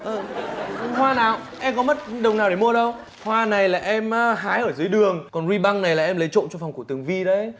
ơ hoa nào em có mất đồng nào để mua đâu hoa này là em á hái ở dưới đường còn ruy băng này là em lấy trộm trong phòng của tường vy đấy